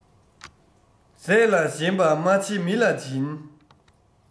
ཟས ལ ཞེན པ མ ཆེ མི ལ བྱིན